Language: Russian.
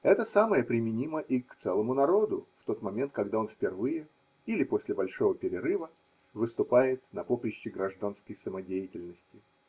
Это самое применимо и к нелому народу в тот момент, когда он впервые (или после большого перерыва) выступает на поприще гражданской самодеятельности.